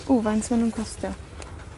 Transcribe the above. Ww. Faint ma' nw'n costio?